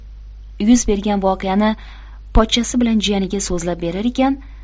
yuz bergan voqeani pochchasi bilan jiyaniga so'zlab berar ekan